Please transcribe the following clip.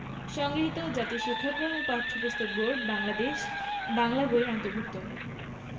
সংগৃহীত জাতীয় শিক্ষাক্রম ও পাঠ্যপুস্তক বোর্ড বাংলাদেশ বাংলা বই এর অন্তর্ভুক্ত